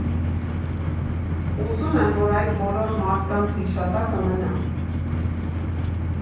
Ուզում եմ, որ այդ բոլոր մարդկանց հիշատակը մնա։